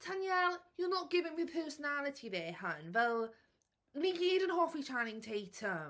Tanyel, you're not giving me personality there, hun. Fel, ni gyd yn hoffi Channing Tatum.